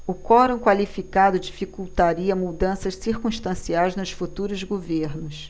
o quorum qualificado dificultaria mudanças circunstanciais nos futuros governos